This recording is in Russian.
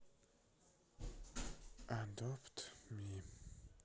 адопт ми